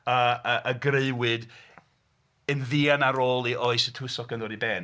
Yy a grëwyd yn fuan ar ôl i oes y tywysogion ddod i ben.